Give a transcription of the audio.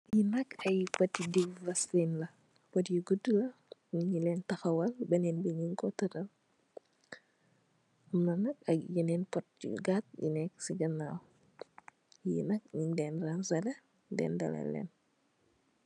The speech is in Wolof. Lii nak aiiy poti diwi vaseline la, pot yu gudu la njungy len takhawal, benen bii njung kor tedal, am na nak aiiy yenen pot yu gatue yu neku cii ganaw, yii nak njung len ranzaleh ndehndah leh len.